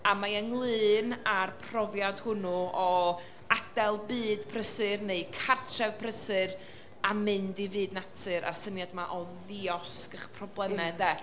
a mae ynglyn â'r profiad hwnnw o adael byd prysur neu cartref prysur a mynd i fyd natur, a'r syniad 'ma o ddiosg eich problemau, de.